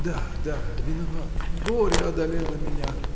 — Да, да, виноват, горе одолело меня!